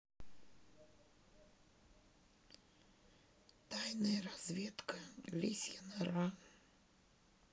тайная разведка лисья нора